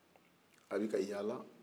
a bi ka yala